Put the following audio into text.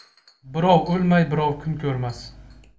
birov o'lmay birov kun ko'rmas